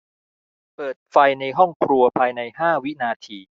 เปิดไฟในห้องครัวภายในห้าวินาที